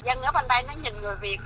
dân ở bên đây nó nhìn người việt